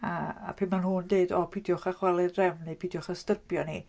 A a pan mae nhw'n deud "o peidiwch â chwalu'r drefn" neu "peidiwch â styrbio ni".